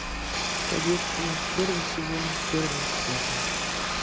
кадетство первый сезон первая серия